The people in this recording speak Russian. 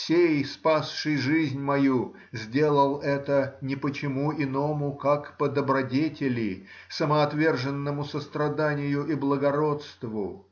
сей, спасший жизнь мою, сделал это не по чему иному, как по добродетели, самоотверженному состраданию и благородству